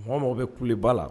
Bɛ kuleba la